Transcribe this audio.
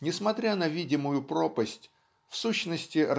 несмотря на видимую пропасть в сущности